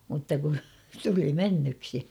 mutta kun tuli mennyksi